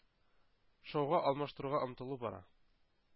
Шоуга алмаштыруга омтылу бара.